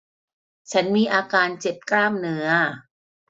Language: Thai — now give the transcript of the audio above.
ฉันมีอาการเจ็บกล้ามเนื้อ